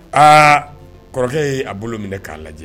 Aa kɔrɔkɛ y ye a bolo minɛ k'a lajɛ